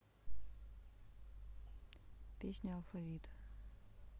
песня алфавит